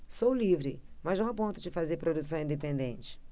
sou livre mas não a ponto de fazer produção independente